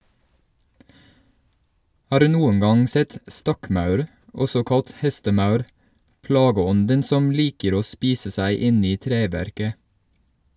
Har du noen gang sett stokkmaur, også kalt hestemaur, plageånden som liker å spise seg inn i treverket?